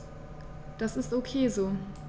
Das ist ok so.